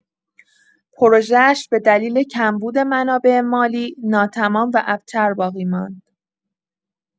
پروژه‌اش به دلیل کمبود منابع مالی ناتمام و ابتر باقی ماند.